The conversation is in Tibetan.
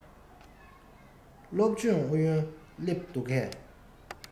སློབ སྦྱོང ཨུ ཡོན སླེབས འདུག གས